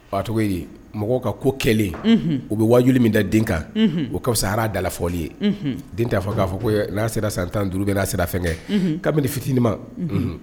Ba tɔgɔ yen mɔgɔw ka ko kɛlen u bɛ waju min da den kan o ka fisa sahara dalafɔli ye den t'a fɔ k'a fɔ ko n'a sera san tan duuru bɛ n'a sera fɛn kɛ kabini di fitinin ma